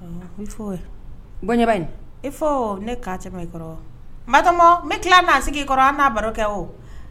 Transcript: bɔ ɲɛ bani, i fɔ ɲe , ne ye kaa tɛmɛ i kɔrɔ ,Batɔma n bɛ tila na sigi i kɔrɔ an n'a baro kɛ o